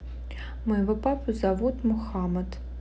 моего папу зовут мухаммад